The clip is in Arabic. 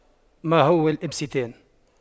ما هو إلا بستان